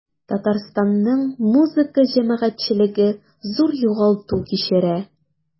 Татарстанның музыка җәмәгатьчелеге зур югалту кичерә.